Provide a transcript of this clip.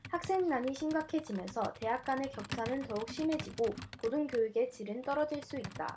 학생 난이 심해지면서 대학 간의 격차는 더욱 심해지고 고등교육의 질은 떨어질 수 있다